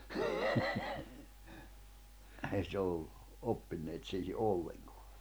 ei se ollut oppinut siihen ollenkaan